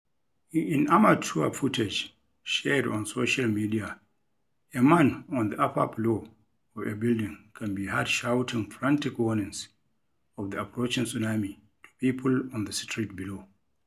In amateur footage shared on social media a man on the upper floor of a building can be heard shouting frantic warnings of the approaching tsunami to people on the street below.